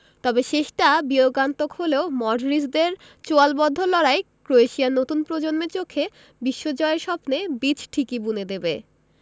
তবে শেষটা বিয়োগান্তক হলেও মডরিচদের চোয়ালবদ্ধ লড়াই ক্রোয়েশিয়ার নতুন প্রজন্মের চোখে বিশ্বজয়ের স্বপ্নে বীজ ঠিকি বুনে দেবে